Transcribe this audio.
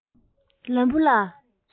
ལམ བུ ལ